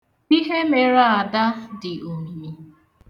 Ihe mere Ada dị omimi.